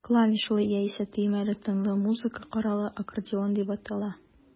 Клавишалы, яисә төймәле тынлы музыка коралы аккордеон дип атала.